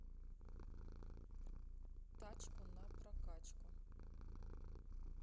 тачку на прокачку